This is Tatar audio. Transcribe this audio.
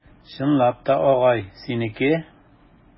Чынлап та, агай, синеке?